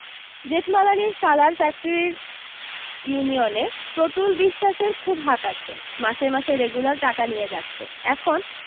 জেঠমালানির শালার ফ্যাক্টরির ইউনিয়নে প্রতুল বিশ্বাসের খুব হাত আছে মাসে মাসে রেগুলার টাকা নিয়ে যাচ্ছে এখন